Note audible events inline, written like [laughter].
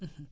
[hesitation] [hesitation]